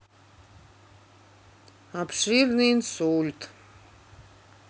обширный инсульт